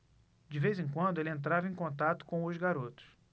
de vez em quando ele entrava em contato com os garotos